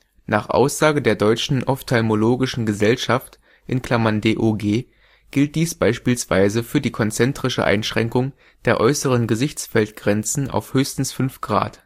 Nach Aussage der Deutschen Ophthalmologischen Gesellschaft (DOG) gilt dies beispielsweise für die konzentrische Einschränkung der äußeren Gesichtsfeldgrenzen auf höchstens 5 Grad